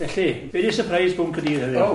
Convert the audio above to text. Felly, be di sypreis bwnc y dydd heddiw?